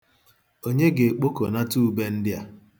Onye ga-ekpokọnata ube ndị a?